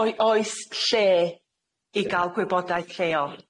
O- oes lle i ga'l gwybodaeth lleol